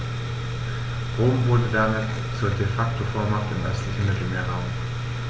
Rom wurde damit zur ‚De-Facto-Vormacht‘ im östlichen Mittelmeerraum.